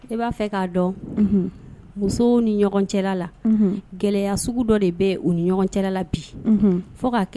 Ne b'a fɛ k'a dɔn musow ni ɲɔgɔn cɛla la gɛlɛyaya sugu dɔ de bɛ u ni ɲɔgɔn cɛla la bi fo ka kɛ